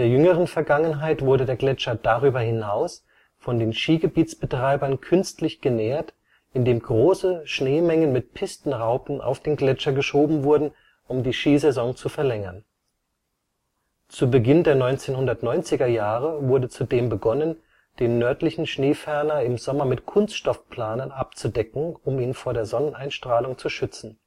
jüngeren Vergangenheit wurde der Gletscher darüber hinaus von den Skigebietsbetreibern künstlich genährt, indem große Schneemengen mit Pistenraupen auf den Gletscher geschoben wurden, um die Skisaison zu verlängern. Zu Beginn der 1990er Jahre wurde zudem begonnen, den Nördlichen Schneeferner im Sommer mit Kunststoffplanen abzudecken, um ihn vor der Sonneneinstrahlung zu schützen